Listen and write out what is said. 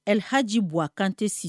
Elhadji Buwa Kante si